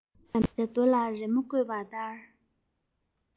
དམ བཅའ རྡོ ལ རི མོ བརྐོས པ ལྟར